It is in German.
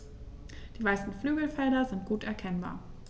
Die weißen Flügelfelder sind gut erkennbar.